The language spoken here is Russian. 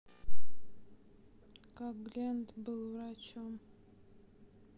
как глент был врачом